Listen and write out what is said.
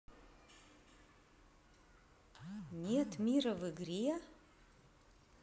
нет мира в игре